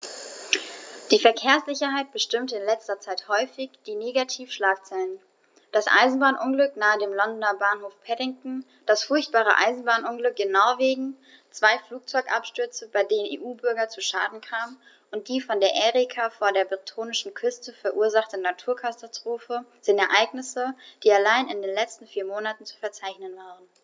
Die Verkehrssicherheit bestimmte in letzter Zeit häufig die Negativschlagzeilen: Das Eisenbahnunglück nahe dem Londoner Bahnhof Paddington, das furchtbare Eisenbahnunglück in Norwegen, zwei Flugzeugabstürze, bei denen EU-Bürger zu Schaden kamen, und die von der Erika vor der bretonischen Küste verursachte Naturkatastrophe sind Ereignisse, die allein in den letzten vier Monaten zu verzeichnen waren.